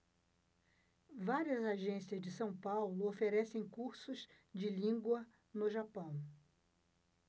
várias agências de são paulo oferecem cursos de língua no japão